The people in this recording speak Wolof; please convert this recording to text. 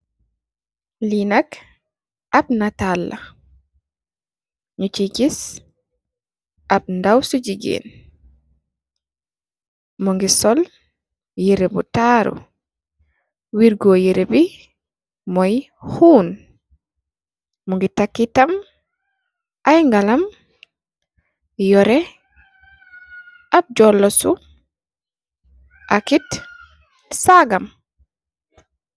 Lii nak ab natal la, nyu cii gis ab daw su jigeen, mungi sol yere bu taaru, weergo yerebi moy xuun, mingi takit tam ay galam, yore ab joolosu akit saagam